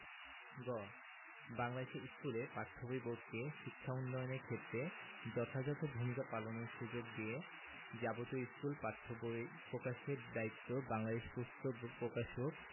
গ বাংলাদেশের স্কুলে পাঠ্য বই বোর্ডকে শিক্ষা উন্নয়নের ক্ষেত্রে যথাযথ ভূমিকা পালনের সুযোগ দিয়ে যাবতীয় স্কুল পাঠ্য বই প্রকাশের দায়িত্ব বাংলাদেশ পুস্তক প্রকাশক